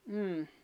mm